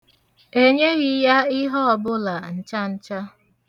Enyeghị ya ihe ọbụla ncha ncha.